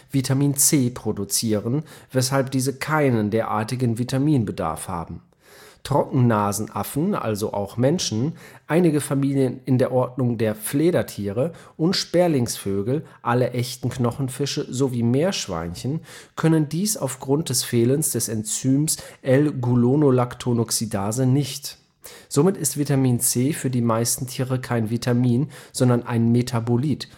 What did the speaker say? Vitamin C produzieren, weshalb diese keinen derartigen Vitamin-Bedarf haben. Trockennasenaffen (also auch Menschen), einige Familien in der Ordnung der Fledertiere und Sperlingsvögel, alle Echten Knochenfische sowie Meerschweinchen können dies aufgrund des Fehlens des Enzyms L-Gulonolactonoxidase nicht. Somit ist Vitamin C für die meisten Tiere kein Vitamin, sondern ein Metabolit